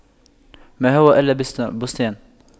ما هو إلا بستان